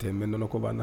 Nd ko banna na